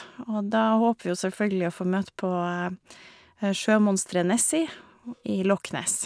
Og da håper vi jo selvfølgelig å få møte på sjømonsteret Nessie i Loch Ness.